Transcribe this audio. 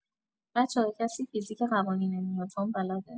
بچه‌ها کسی فیزیک قوانین نیوتن بلده؟